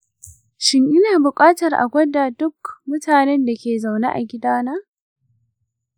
shin ina bukatar a gwada duk mutanen da ke zaune a gidana?